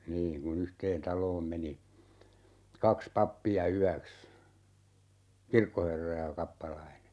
niin kun yhteen taloon meni kaksi pappia yöksi kirkkoherra ja kappalainen